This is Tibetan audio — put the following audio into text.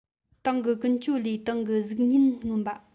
༄༅ ཏང གི ཀུན སྤྱོད ལས ཏང གི གཟུགས བརྙན མངོན པ